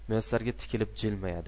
muyassarga tikilib jilmayadi